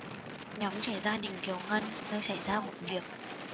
nhóm trẻ gia đình kiều ngân nơi xảy ra vụ việc